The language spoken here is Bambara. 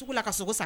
U ka sogo san